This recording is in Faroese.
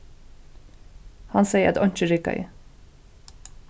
hann segði at einki riggaði